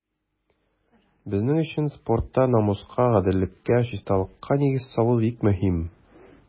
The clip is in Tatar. Безнең өчен спортта намуска, гаделлеккә, чисталыкка нигез салу бик мөһим.